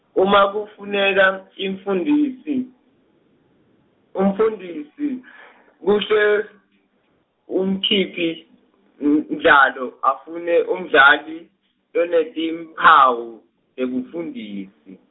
uma kufuneka, umfundisi, umfundisi , kuhle, umkhiphi mdlalo afune umdlali, lonetimphawu, tebufundisi.